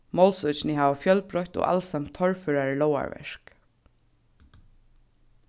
málsøkini hava fjølbroytt og alsamt torførari lógarverk